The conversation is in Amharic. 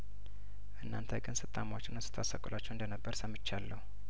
እናንተ ግን ስታሟቸውና ስታሳቅሏቸው እንደነበር ሰምቼያለሁ